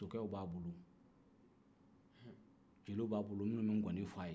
sokɛw b'a bolo jeliw b'a bolo minnu bɛ nkɔni f'a ye